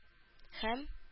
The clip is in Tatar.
Һәм